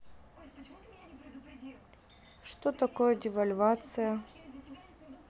что такое девальвация